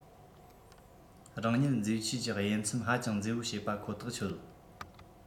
རང ཉིད མཛེས འཆོས གྱི དབྱེ མཚམས ཧ ཅང མཛེས པོ བྱེད པ ཁོ ཐག ཆོད